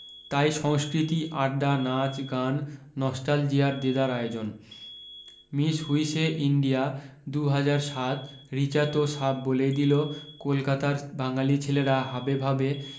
তাই সংস্কৃতি আড্ডা নাচ গান নস্টালজিয়ার দেদার আয়োজন মিস হুইসে ইন্ডিয়া দু হাজার সাত রিচা তো সাফ বলেই দিল কলকাতার বাঙালী ছেলেরা হাবে ভাবে